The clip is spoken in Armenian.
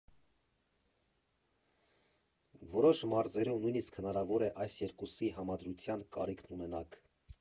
Որոշ մարզերում նույնիսկ հնարավոր է այս երկուսի համադրության կարիքն ունենաք։